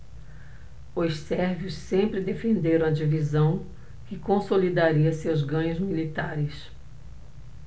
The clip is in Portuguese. os sérvios sempre defenderam a divisão que consolidaria seus ganhos militares